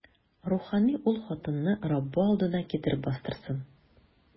Рухани ул хатынны Раббы алдына китереп бастырсын.